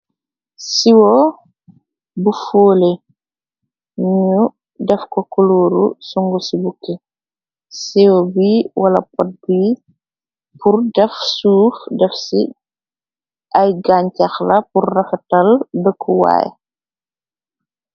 Siwo bu foole nu def ko kulooru songu ci bukki siwo bi wala pot bi pur def suuf def ci ay gancax la pur rafatal dëkkuwaay.